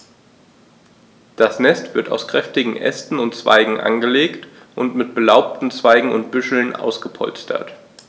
Das Nest wird aus kräftigen Ästen und Zweigen angelegt und mit belaubten Zweigen und Büscheln ausgepolstert.